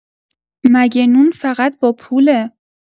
مگه نون فقط با پوله؟